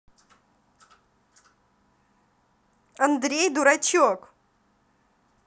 андрей дурачок